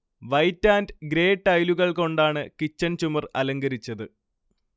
white and grey ടൈലുകൾ കൊണ്ടാണ് kitchen ചുമർ അലങ്കരിച്ചത്